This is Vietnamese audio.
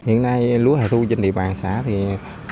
hiện nay lúa hè thu trên địa bàn xã thì